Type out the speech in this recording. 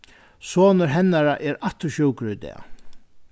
sonur hennara er aftur sjúkur í dag